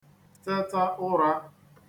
teta ụrā